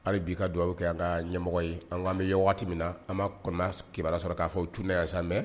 Hali bii ka don a bɛ kɛ an ka ɲɛmɔgɔ ye an k' an bɛ waati min na an ma kɔnɔ kiba sɔrɔ k'a fɔ tunɛ yan san